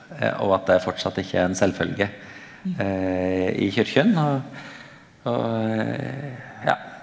og at det er fortsett ikkje er ein sjølvfølge i kyrkja og og ja.